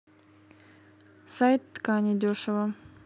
сайт ткани дешево